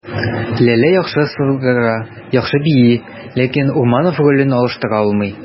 Ләлә яхшы сызгыра, яхшы бии, ләкин Урманов ролен алыштыра алмый.